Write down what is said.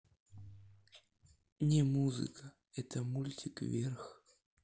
не музыка это мультик вверх